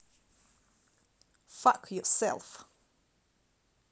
fuck yourself